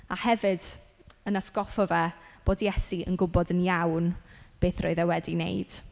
A hefyd yn atgoffa fe bod Iesu yn gwybod yn iawn beth roedd e wedi wneud.